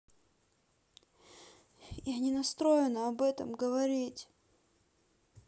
я не настроена об этом говорить